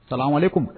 Kalan kun